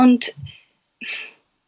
ond